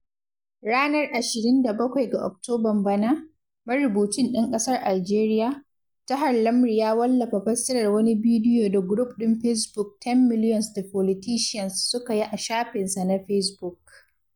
Ranar 27 ga Oktoban bana, marubucin ɗan ƙasar Aljeriya, Tahar Lamri [en] ya wallafa fassarar wani bidiyo [ar] da guruf ɗin Facebook 10 Millions de Politiciens [ar, fr] su ka yi a shafinsa na Facebook.